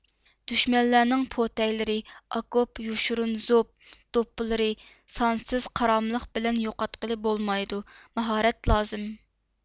دۈشمەنلەرنىڭ پوتەيلىرى ئاكوپ يوشۇرۇن زوپ دوپلىرى سانسىز قاراملىق بىلەن يوقاتقىلى بولمايدۇ ماھارەت لازىم